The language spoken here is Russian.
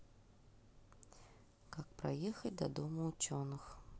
как проехать до дома ученых